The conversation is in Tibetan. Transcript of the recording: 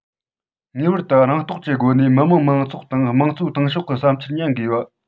ངེས པར དུ རང རྟོགས ཀྱི སྒོ ནས མི དམངས མང ཚོགས དང དམངས གཙོའི ཏང ཤོག གི བསམ འཆར ཉན དགོས པ